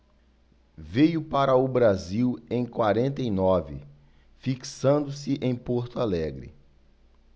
veio para o brasil em quarenta e nove fixando-se em porto alegre